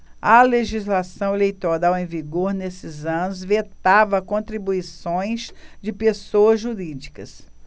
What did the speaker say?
a legislação eleitoral em vigor nesses anos vetava contribuições de pessoas jurídicas